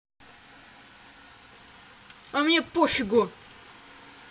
а мне пофигу